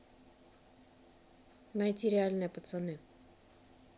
найти реальные пацаны